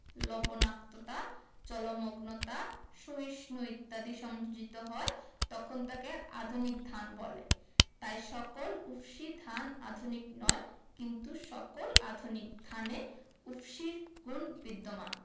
লবনাক্ততা জলমগ্নতা সহিষ্ণু ইত্যাদি সংযোজিত হয় তখন তাকে আধুনিক ধান বলে তাই সকল উফশী ধান আধুনিক নয় কিন্তু সকল আধুনিক ধানে উফশীর গুণ বিদ্যমান